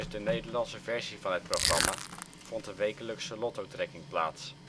de Nederlandse versie van het programma vond de wekelijkse Lotto trekking plaats